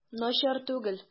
Начар түгел.